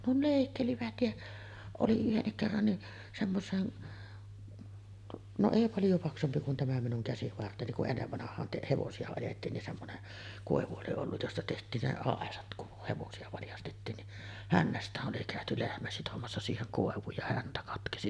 ne leikkelivät ja oli yhdenkin kerran niin semmoiseen no ei paljon paksumpi kuin tämä minun käsivarteni kun ennen vanhaan - hevosia ajettiin niin semmoinen koivu oli ollut josta tehtiin ne aisat kun hevosia valjastettiin niin hännästään oli käyty lehmä sitomassa siihen koivuun ja häntä katkesi